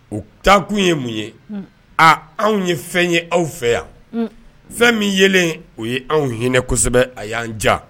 U takun ye mun ye a anw ye fɛn ye aw fɛ yan fɛn min yelen o ye anw ye kosɛbɛ a y'an ja